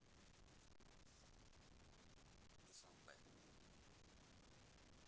душанбе